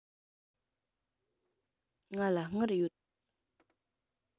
ང ལ དངུལ ཡོད